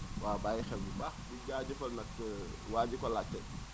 waaw bàyyi xel bu baax di jaajëfal nag waa ji ko laajte